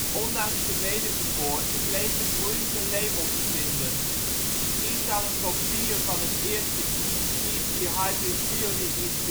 Ondanks de wedergeboorte, bleef het moeilijk een label te vinden. Tientallen kopieën van het eerste EP Hybrid Theory EP